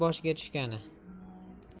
er boshiga tushgani